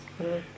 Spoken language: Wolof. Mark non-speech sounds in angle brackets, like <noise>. <hesitation>